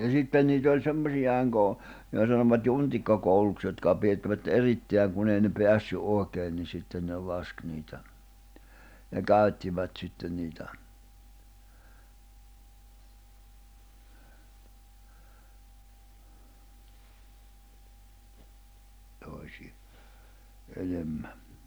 ja sitten niitä oli semmoisia - jota sanovat juntikkakouluksi jotka oli pidettävät erittäin kun ei ne päässyt oikein niin sitten ne laski niitä ne käyttivät sitten niitä toisia enemmän